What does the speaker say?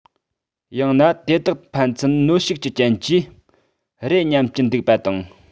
ཡང ན དེ དག ཕན ཚུན གནོན ཤུགས ཀྱི རྐྱེན གྱིས རེད སྙམ གྱི འདུག པ དང